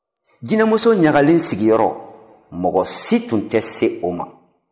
jinɛmuso ɲagalen sigiyɔrɔ mɔgɔ si tun tɛ se o ma